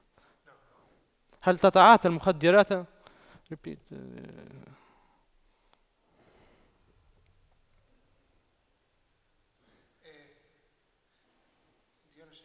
هل تتعاطى المخدرات